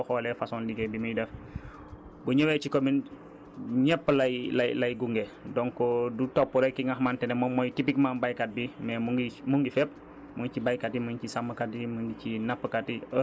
te boo xoolee façon liggéey bi muy def bu ñëwee ci commune ñépp lay lay lay gunge donnc du topp rekk ki nga xamante ne moom mooy typiquement baykat bi mais mu ngi mu ngi fépp mu ngi ci baykat yi mu ngi ci sàmmkat yi mu ngi ci nappkat yi